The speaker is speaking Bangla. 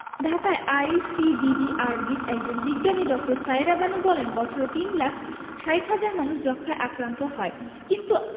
ঢাকায় আইসিডিডিআরবির একজন বিজ্ঞানী ড. সায়েরা বানু বলেন বছরে তিন লাখ ৬০ হাজার মানুষ যক্ষ্মায় আক্রান্ত হয় কিন্তু